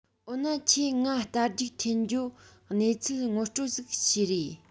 འོ ན ཁྱོས ངའ རྟ རྒྱུག འཐེན རྒྱུའོ གནས ཚུལ ངོ སྤྲོད ཟིག བྱོས རེས